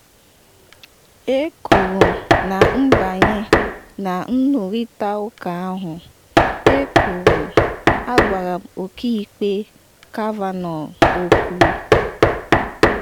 “E kwuru m na nbanye na nnụrịta ụka ahụ, E kwuru m, A gwara m Ọka Ikpe Kavanaugh okwu.